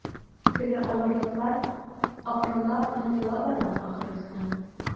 Теге авырлыклар акрынлап онытыла бара, ахрысы.